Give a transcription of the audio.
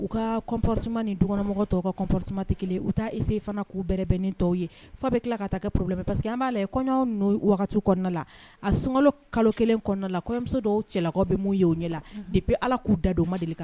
U ka kɔnptima nin dukɔnɔmɔgɔ tɔ ka kɔnptima tɛ kelen u taa ese fana k'u bɛbɛnnen tɔw ye fa bɛ tila ka taa kɛ porobilɛ pa que an b'a la kɔɲɔw n'o wagati kɔnɔna la a sunkalo kalo kelen kɔnɔna la kɔmuso dɔw cɛla bɛ mun ye' ɲɛ de bɛ ala k'u dadon ma deli kan